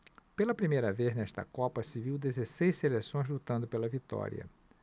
pela primeira vez nesta copa se viu dezesseis seleções lutando pela vitória